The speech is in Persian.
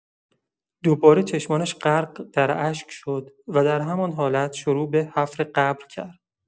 دوباره چشمانش غرق در اشک شد و در همان حالت شروع به حفر قبر کرد.